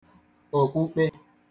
òkpùkpè